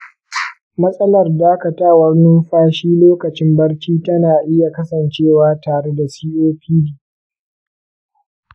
matsalar dakatawar numfashi lokacin barci tana iya kasancewa tare da copd.